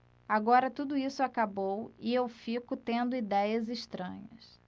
agora tudo isso acabou e eu fico tendo idéias estranhas